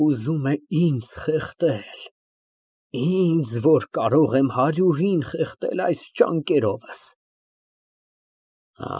Ուզում է ինձ խեղդել, ինձ, որ կարող եմ հարյուրին խեղդել այս ճանկերովս։